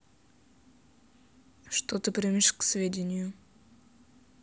что ты примешь к сведению